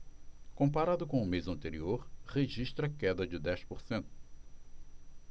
comparado com o mês anterior registra queda de dez por cento